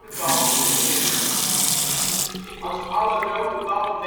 bal moet beginnen. Als alle rode ballen